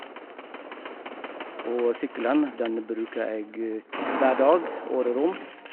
Og sykkelen, den bruker jeg hver dag, året rundt.